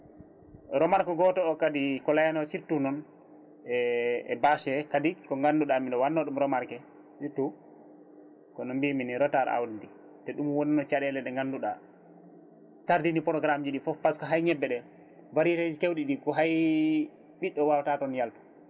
remarque goto o kadi ko layano surtout noon e e bâche he kadi ko ganduɗa mbiɗo wanno ɗum remarqué surtout kono mbimi ni retard awdi ndi te wonno caɗele ɗe ganduɗa tardini programme ji ɗi foof par ce que hay ñebbe ɗe variété ji kewɗi ko hay ɓiɗɗo wawata toon yaltu